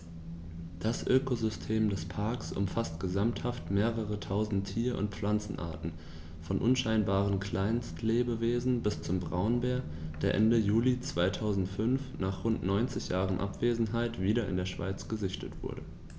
Das Ökosystem des Parks umfasst gesamthaft mehrere tausend Tier- und Pflanzenarten, von unscheinbaren Kleinstlebewesen bis zum Braunbär, der Ende Juli 2005, nach rund 90 Jahren Abwesenheit, wieder in der Schweiz gesichtet wurde.